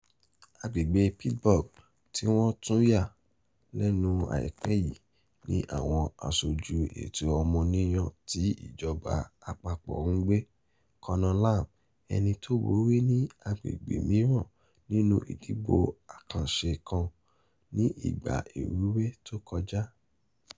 Agbègbè Pittsburgh tí wọ́n tún yà lẹ́nu àìpẹ́ yìí ni àwọn Aṣojú Ẹ̀tọ́ Ọmọnìyàn ti ìjọba Àpapọ̀ ń gbé. Conor Lamb - ẹni tó borí ní àgbègbè mìíràn nínú ìdìbò àkànṣe kan ní ìgbà ìrúwé tó kọjá.